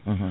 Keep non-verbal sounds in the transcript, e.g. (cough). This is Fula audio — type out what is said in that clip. (hesitation) (hesitation)